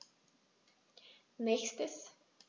Nächstes.